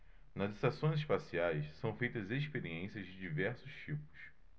nas estações espaciais são feitas experiências de diversos tipos